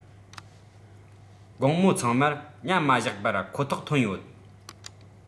དགོང མོ ཚང མར ཉམས མ བཞག པར ཁོ ཐག ཐོན ཡོད